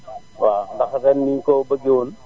waaw ndax ren ni ñu ko bëggee woon